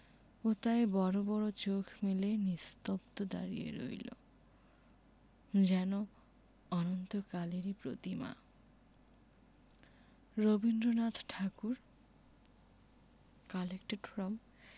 ও তাই বড় বড় চোখ মেলে নিস্তব্ধ দাঁড়িয়ে রইল যেন অনন্তকালেরই প্রতিমা রনীন্দ্রনাথ ঠাকুর কালেক্টেড ফ্রম